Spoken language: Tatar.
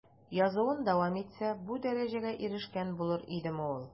Язуын дәвам итсә, бу дәрәҗәгә ирешкән булыр идеме ул?